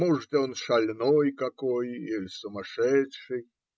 может, он шальной какой или сумасшедший".